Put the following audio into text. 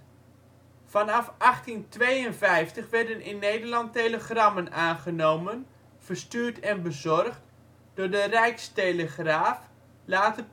Vanaf 1852 werden in Nederland telegrammen aangenomen, verstuurd en bezorgd door de Rijkstelegraaf, later